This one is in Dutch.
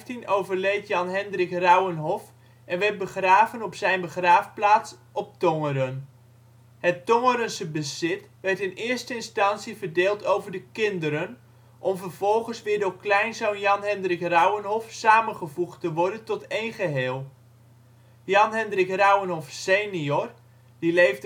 In 1815 overleed Jan Hendrik Rauwenhoff en werd begraven op zijn begraafplaats op Tongeren. Het Tongerense bezit werd in eerste instantie verdeeld over de kinderen, om vervolgens weer door kleinzoon Jan Hendrik Rauwenhoff samengevoegd te worden tot één geheel. Jan Hendrik Rauwenhoff senior (1730-1815